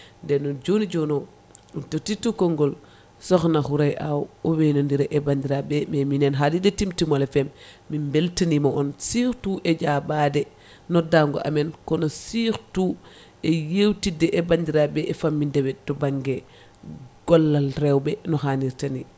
nden noon joni joni o en tottitu konngol sokhna Houraye Aw o waynodira e bandiraɓe ɓe min haalirde Timtimol FM min beltanima on surtout e jabade noddago amen kono surtout e yewtidde e bandiraɓeɓe e fammindeɓe to banggue gollal rewɓe no hanirt ni